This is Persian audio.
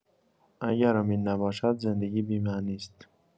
اگر امید نباشد، زندگی بی‌معنی است.